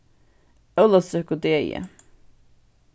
ólavsøkudegi